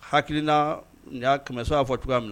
Hakilikiina y'a kɛmɛ sɔn y'a fɔ cogoya minɛ na